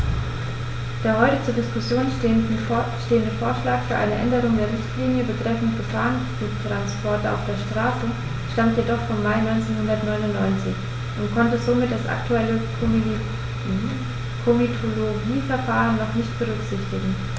Der heute zur Diskussion stehende Vorschlag für eine Änderung der Richtlinie betreffend Gefahrguttransporte auf der Straße stammt jedoch vom Mai 1999 und konnte somit das aktuelle Komitologieverfahren noch nicht berücksichtigen.